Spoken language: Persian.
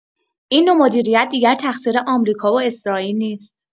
این نوع مدیریت دیگر تقصیر آمریکا و اسرائیل نیست.